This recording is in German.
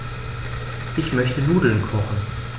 Ich möchte Nudeln kochen.